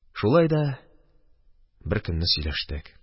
Шулай да беркөнне сөйләштек.